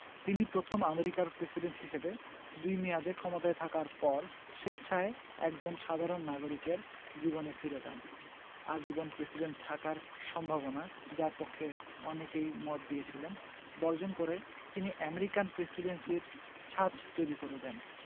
তিনি প্রথম আমেরিকার প্রেসিডেন্ট হিসেবে দুই মেয়াদে ক্ষমতায় থাকার পর স্বেচ্ছায় একজন সাধারণ নাগরিকের জীবনে ফিরে যান আজীবন প্রেসিডেন্ট থাকার সম্ভাবনা যার পক্ষে অনেকেই মত দিয়েছিলেন বর্জন করে তিনি আমেরিকান প্রেসিডেন্সির ছাঁচ তৈরি করে দেন